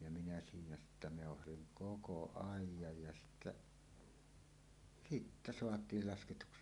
ja minä siinä sitten meuhasin koko ajan ja sitten sitten saatiin lasketuksi